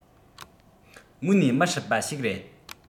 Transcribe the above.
དངོས ནས མི སྲིད པ ཞིག རེད